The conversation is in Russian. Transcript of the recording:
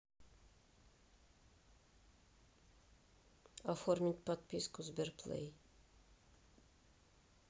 оформить подписку сбер плей